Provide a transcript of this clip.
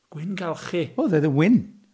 Gwyngalchu?... Oedd, oedd e'n wyn.